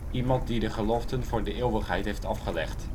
iemand die de geloften voor de eeuwigheid heeft afgelegd